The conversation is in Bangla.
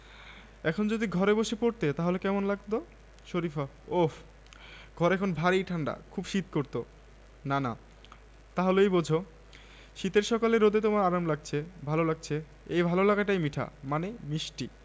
এখন যদি ঘরে বসে পড়তে তাহলে কেমন লাগত শরিফা ওহ ঘরে এখন ভারি ঠাণ্ডা খুব শীত করত নানা তা হলেই বোঝ শীতের সকালে রোদে তোমার আরাম লাগছে ভালো লাগছে এই ভালো লাগাটাই মিঠা মানে মিষ্টি